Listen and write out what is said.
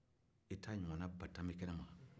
e taa ɲɔgɔnna ba tan bɛ kɛnɛ man